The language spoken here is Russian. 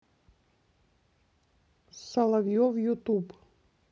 соловьев ютуб